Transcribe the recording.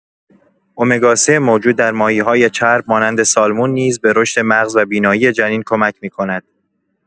امگا ۳ موجود در ماهی‌های چرب مانند سالمون نیز به رشد مغز و بینایی جنین کمک می‌کند.